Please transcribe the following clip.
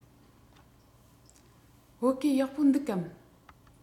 བོད གོས ཡག པོ འདུག གམ